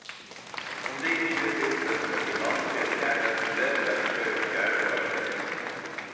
um vikuskiftið hittast nøkur lond fyri at kjakast um veðurlagsbroytingar og orkukreppuna